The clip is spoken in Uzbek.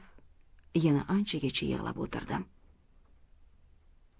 yana anchagacha yig'lab o'tirdim